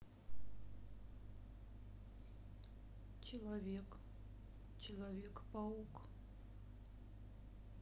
человек человек паук